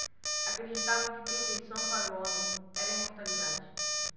acreditavam que perfeição para o homem era a imortalidade